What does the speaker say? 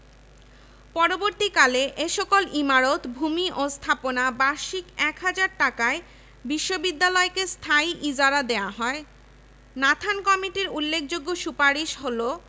পরবর্তীকালে এ সকল ইমারত ভূমি ও স্থাপনা বার্ষিক এক হাজার টাকায় বিশ্ববিদ্যালয়কে স্থায়ী ইজারা দেওয়া হয় নাথান কমিটির উল্লেখযোগ্য সুপারিশ হলো